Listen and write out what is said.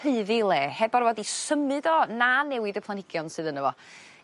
haeddi 'i le heb orfod 'i symud o na newid y planhigion sydd yno fo.